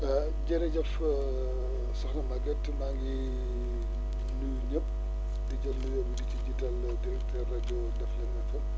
waaw jërëjëf soxna Maguette maa ngi nuyu nuyu ñëpp di jël nuyoo bi di ci jiital directeur rajo Ndefleng FM